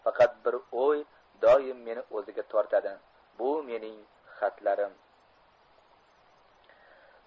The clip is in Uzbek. faqat bir o'y doim meni o'ziga tortadi bu mening xatlarim